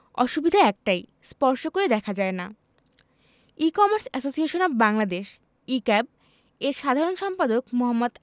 অসুবিধা একটাই স্পর্শ করে দেখা যায় না e commerce association of Bangladesh e CAB এর সাধারণ সম্পাদক মো.